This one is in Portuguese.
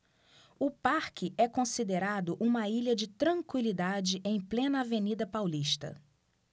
o parque é considerado uma ilha de tranquilidade em plena avenida paulista